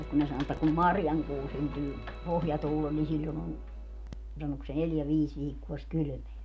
ja kun ne sanoi että kun marjankuu syntyy pohjatuulella niin silloin on sanoiko se neljä viisi viikkoa sitten kylmää